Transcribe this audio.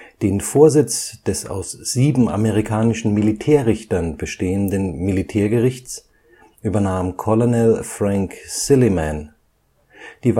Den Vorsitz des aus sieben amerikanischen Militärrichtern bestehenden Militärgerichts übernahm Colonel Frank Silliman, die